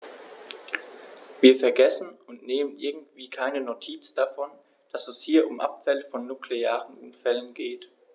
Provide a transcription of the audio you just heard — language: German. Wir vergessen, und nehmen irgendwie keine Notiz davon, dass es hier um Abfälle von nuklearen Unfällen geht.